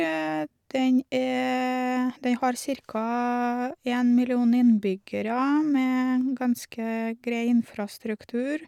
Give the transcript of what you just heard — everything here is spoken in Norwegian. den er Den har cirka en million innbyggere, med ganske grei infrastruktur.